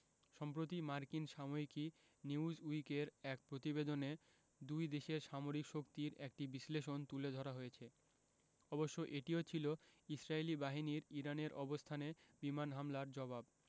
সম্প্রতি মার্কিন সাময়িকী নিউজউইকের এক প্রতিবেদনে দুই দেশের সামরিক শক্তির একটি বিশ্লেষণ তুলে ধরা হয়েছে অবশ্য এটিও ছিল ইসরায়েলি বাহিনীর ইরানের অবস্থানে বিমান হামলার জবাব